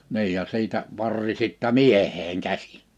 niin ja siitä varri sitten mieheen käsi